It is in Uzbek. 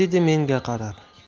dedi menga qarab